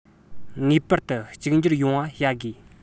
ངེས པར དུ གཅིག གྱུར ཡོང བ བྱ དགོས